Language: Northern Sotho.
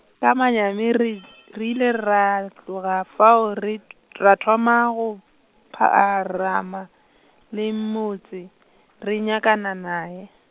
ka manyami re, re ile ra tloga fao re t-, ra thoma go, pha a -rama le motse, re nyakana nae.